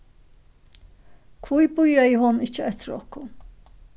hví bíðaði hon ikki eftir okkum